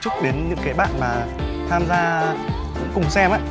chúc đến những cái bạn mà tham gia cùng xem á